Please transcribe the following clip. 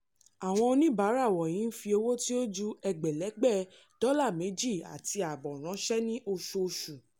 Àwọn oníbàárà wọ̀nyìí ń fi owó tí ó ju ẹgbẹ̀lẹ́gbẹ̀ $2.5 ránṣẹ́ ní oṣooṣù.